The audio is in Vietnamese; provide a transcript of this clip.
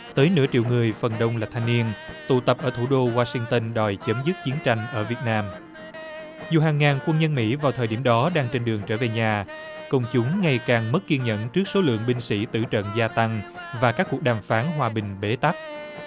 tới nửa triệu người phần đông là thanh niên tụ tập ở thủ đô goa sinh tơn đòi chấm dứt chiến tranh ở việt nam dù hàng ngàn quân nhân mỹ vào thời điểm đó đang trên đường trở về nhà công chúng ngày càng mất kiên nhẫn trước số lượng binh sĩ tử trận gia tăng và các cuộc đàm phán hòa bình bế tắc